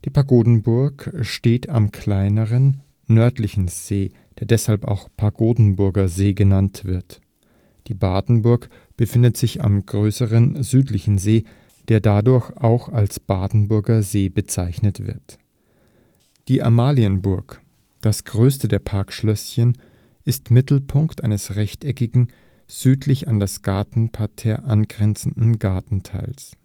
Pagodenburg steht am kleineren, nördlichen See, der deshalb auch Pagodenburger See genannt wird. Die Badenburg befindet sich am größeren, südlichen See, der daher auch als Badenburger See bezeichnet wird. Die Amalienburg, das größte der Parkschlösschen, ist Mittelpunkt eines rechteckigen, südlich an das Gartenparterre angrenzenden Gartenteils